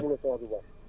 am na solo bu baax